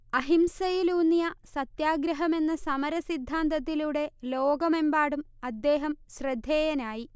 അഹിംസയിലൂന്നിയ സത്യാഗ്രഹം എന്ന സമര സിദ്ധാന്തത്തിലൂടെ ലോകമെമ്പാടും അദ്ദേഹം ശ്രദ്ധേയനായി